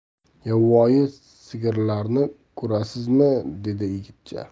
yovvoyi sigirlarni ko'rasizmi dedi yigitcha